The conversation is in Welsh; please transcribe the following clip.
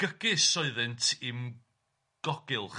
'Gygus oeddynt i'm gogylch'